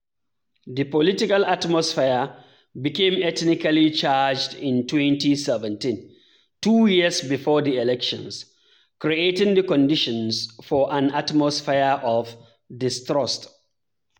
The political atmosphere became ethnically-charged in 2017, two years before the elections, creating the conditions for an atmosphere of distrust.